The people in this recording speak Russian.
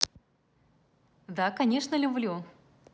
да конечно люблю